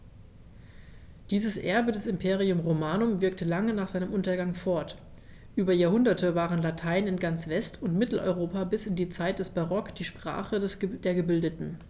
Dieses Erbe des Imperium Romanum wirkte lange nach seinem Untergang fort: Über Jahrhunderte war Latein in ganz West- und Mitteleuropa bis in die Zeit des Barock die Sprache der Gebildeten.